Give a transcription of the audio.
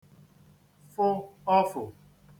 fụ ọfụ̀